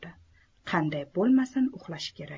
qanday bo'lmasin uxlashi kerak